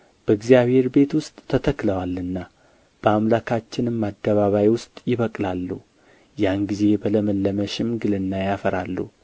በእግዚአብሔር ቤት ውስጥ ተተክለዋል በአምላካችንም አደባባይ ውስጥ ይበቅላሉ ያን ጊዜ በለመለመ ሽምግልና ያፈራሉ